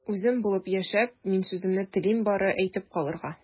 Үзем булып яшәп, мин сүземне телим бары әйтеп калырга...